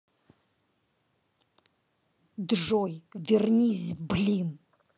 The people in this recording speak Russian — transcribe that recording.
джой вернись блин